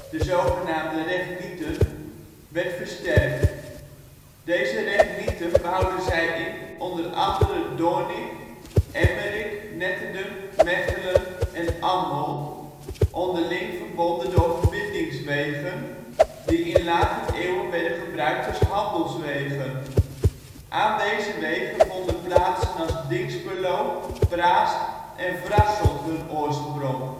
de z.g. “regnieten “werd versterkt. Deze regnieten bouwden zij in o.a. Doornik, Emmerik, Netterden, Megchelen en Anholt, onderling verbonden door verbindingswegen, die in later eeuwen werden gebruikt als handelswegen. Aan deze wegen vonden plaatsen als Dinxperlo, Praest en Vrasselt hun oorsprong